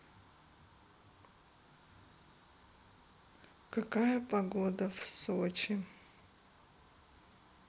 какая погода в сочи